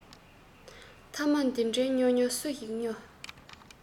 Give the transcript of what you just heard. ཐ མ དེ འདྲའི སྨྱོ སྨྱོ སུ ཞིག སྨྱོ